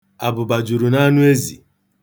Abụba juru n'anụ ezi.